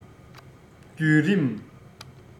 བརྒྱུད རིམ